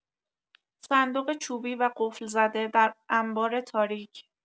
صندوق چوبی و قفل‌زده در انبار تاریک